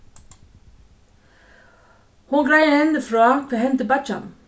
hon greiðir henni frá hvat hendi beiggjanum